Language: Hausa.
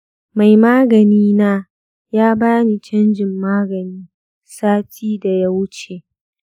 mai magani na ya bani canjin magani sati da ya wuce.